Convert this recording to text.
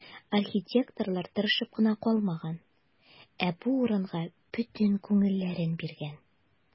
Архитекторлар тырышып кына калмаган, ә бу урынга бөтен күңелләрен биргән.